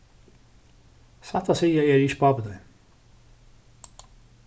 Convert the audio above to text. satt at siga eri eg ikki pápi tín